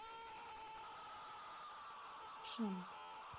shant